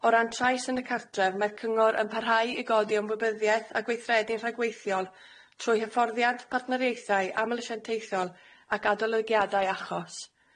O ran trais yn y cartref, mae'r cyngor yn parhau i godi ymwybyddiaeth a gweithredu rhagweithiol trwy hyfforddiant partneriaethau amylisianteithiol ac adolygiadau achos.